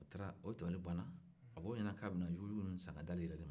o taara o dabali banna a b'o ɲɛna k'a bɛ na yugu-yugu san ka d'ale yɛrɛ de ma